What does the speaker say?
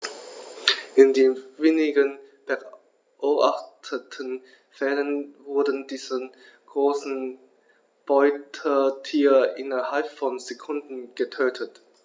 In den wenigen beobachteten Fällen wurden diese großen Beutetiere innerhalb von Sekunden getötet.